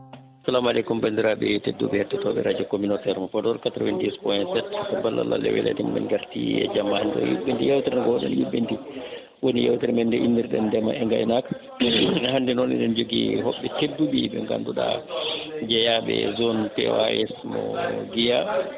assalamu aleykum bandiraɓe tedduɓe hettotoɓe radio communautaire mo Podor 90 POINT 7 caggal Allah e weelede mum en garti e jamma hande o yubɓinde yewtere nde gowɗen yubɓinde woni yewtere men nde innirɗen ndeema e gaynaka mais hande noon eɗen joogui hoɓɓe tedduɓe ɓe ganduɗa jeeyaɓe zone PAS mo Guiya